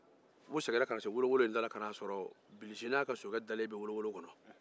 u seginna ka na se wolwolo in da la k'a n'a sɔrɔ bilisi n'a ka sokɛ dalen b'a kɔnɔ